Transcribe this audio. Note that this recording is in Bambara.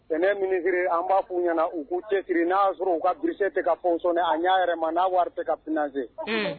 Nt minisiri an b'a f u ɲɛna u cɛ n'a sɔrɔ u ka bilisi kasɔn a y'a yɛrɛ n'a wari tɛ ka psee